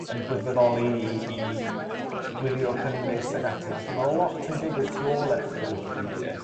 yn gwirfoddoli i i gwirio cynnwys ag ati felly ma' lot yn digwydd tu ôl erthygl wicipedie.